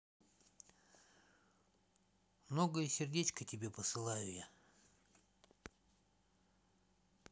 многое сердечко тебе посылаю я